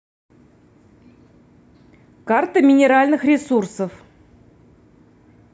карта минеральных ресурсов